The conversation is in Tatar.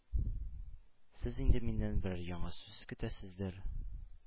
Сез инде миннән берәр яңа сүз көтәсездер.